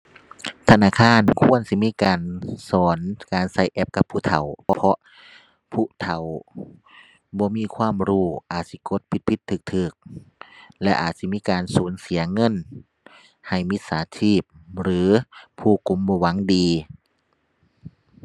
ธนาคารควรสิมีการสอนการใช้แอปกับผู้เฒ่า เพราะผู้เฒ่าบ่มีความรู้อาจสิกดผิดผิดใช้ใช้และอาจสิมีการสูญเสียเงินให้มิจฉาชีพหรือ ผู้ กลุ่มบ่หวังดี